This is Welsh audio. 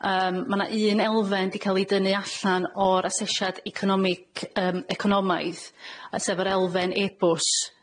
yym ma' 'na un elfen 'di ca'l ei dynnu allan o'r asesiad economic, yym economaidd, yy sef yr elfen e bws.